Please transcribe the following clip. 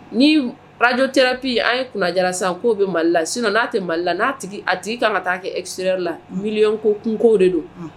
Ni arajo tɛpi an ye kunnajara sisan k'o bɛ mali la sisan n'a tɛ mali la n'a a tigi ka ka taa kɛ e la miy ko kungoko de don